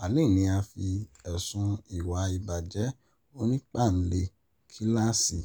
Palin ni a fẹsùn ìwà ìbàjẹ́ onípele Kíláàsì